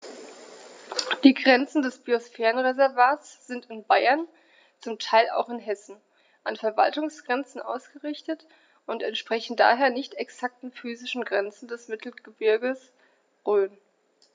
Die Grenzen des Biosphärenreservates sind in Bayern, zum Teil auch in Hessen, an Verwaltungsgrenzen ausgerichtet und entsprechen daher nicht exakten physischen Grenzen des Mittelgebirges Rhön.